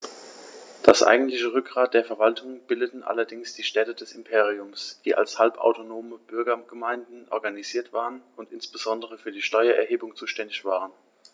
Das eigentliche Rückgrat der Verwaltung bildeten allerdings die Städte des Imperiums, die als halbautonome Bürgergemeinden organisiert waren und insbesondere für die Steuererhebung zuständig waren.